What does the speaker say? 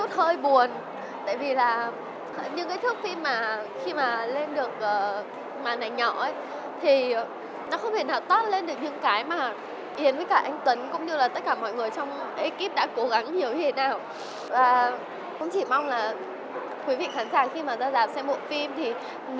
chút hơi buồn tại vì là những cái thước phim mà khi mà lên được ờ màn ảnh nhỏ thì nó không thể nào toát lên được những cái mà yến với cả anh tuấn cũng như là tất cả mọi người trong ê kíp đã cố gắng nhiều như thế nào và cũng chỉ mong là quý vị khán giả khi mà ra rạp xem bộ phim thì